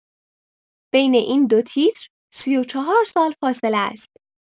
بین این دو تیتر، ۳۴ سال فاصله است؛